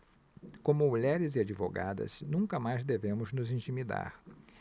como mulheres e advogadas nunca mais devemos nos intimidar